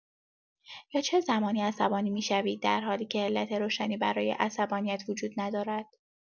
یا چه زمانی عصبانی می‌شوید، درحالی که علت روشنی برای عصبانیت وجود ندارد.